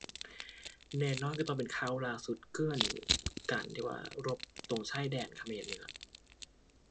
แน่นอนก็ต้องเป็นข่าวล่าสุดคือ อั่น การที่ว่ารบตรงชายแดนเขมรนี่ล่ะ